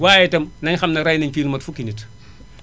waaye tam nañu xam ne ray nañu fii lu mot fukki nit